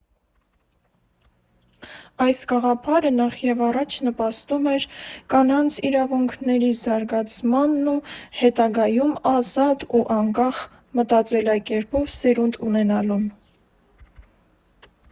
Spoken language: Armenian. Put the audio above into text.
Այս գաղափարը նախևառաջ նպաստում էր կանանց իրավունքների զարգացմանն ու հետագայում ազատ ու անկախ մտածելակերպով սերունդ ունենալուն։